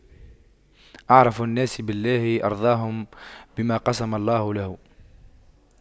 أعرف الناس بالله أرضاهم بما قسم الله له